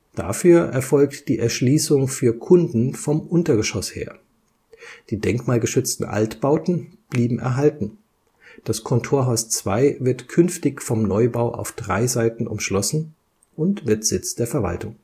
Dafür erfolgt die Erschließung für Kunden vom Untergeschoss her. Die denkmalgeschützten Altbauten bleiben erhalten, das Kontorhaus 2 wird künftig vom Neubau auf drei Seiten umschlossen und Sitz der Verwaltung